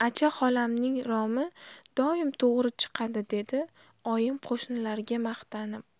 acha xolamning romi doim to'g'ri chiqadi dedi oyim qo'shnilarga maqtanib